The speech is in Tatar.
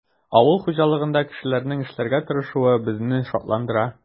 Авыл хуҗалыгында кешеләрнең эшләргә тырышуы безне шатландыра.